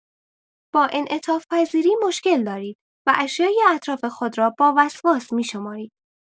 با انعطاف‌پذیری مشکل دارید و اشیای اطراف خود را با وسواس می‌شمارید.